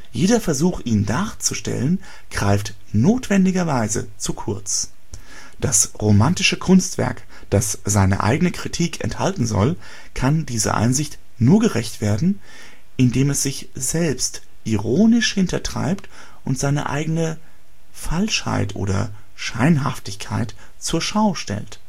Jeder Versuch ihn darzustellen, greift notwendigerweise zu kurz. Das romantische Kunstwerk, das seine eigene Kritik enthalten soll, kann dieser Einsicht nur gerecht werden, indem es sich selbst ironisch hintertreibt und seine eigene ' Falschheit ' (Scheinhaftigkeit) zur Schau stellt